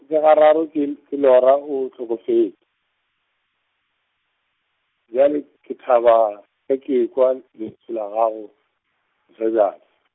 ke gararo ke ke lora o hlokofe-, bjale ke thaba ge ke ekwa lentšu la gago, Mosebjadi .